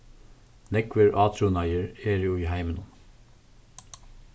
nógvir átrúnaðir eru í heiminum